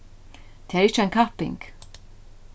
tað er ikki ein kapping